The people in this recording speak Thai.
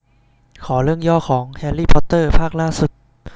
ขอเรื่องย่อของแฮรี่พอตเตอร์ภาคล่าสุด